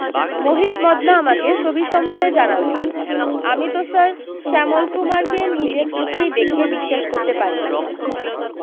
মোহিত মদনা আমাকে সবিসময়ে জানালো আমি তো স্যার শ্যামল কুমারকে নিজের চোখেই দেখে বিশ্বাস করতে পারি না